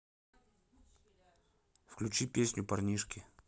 включи песню парнишки